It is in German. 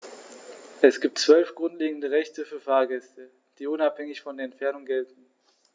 Es gibt 12 grundlegende Rechte für Fahrgäste, die unabhängig von der Entfernung gelten.